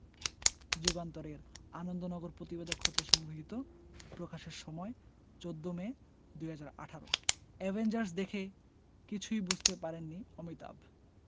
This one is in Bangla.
যুগান্তর এর আনন্দনগর প্রতিবেদক হতে সংগৃহীত প্রকাশের সময় ১৪ মে ২০১৮ অ্যাভেঞ্জার্স দেখে কিছুই বুঝতে পারেননি অমিতাভ